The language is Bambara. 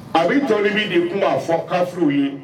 A bɛ to min de kuma fɔ kafiw ye